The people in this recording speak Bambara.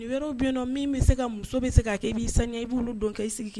Nin wɛrɛw bɛ yen min bɛ se ka muso bɛ se k' kɛ b'i san ɲɛ i b' dɔn kɛ i sigi